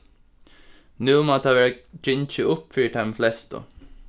nú má tað vera gingið upp fyri teimum flestu